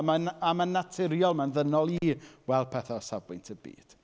A mae'n a mae'n naturiol, mae'n ddynol i weld pethau o safbwynt y byd.